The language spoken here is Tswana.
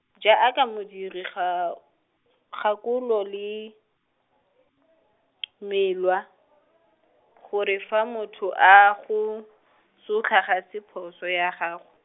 jaaka modiri ga, gakololi- melwa, gore fa motho a go, sotla ga se phoso ya gago.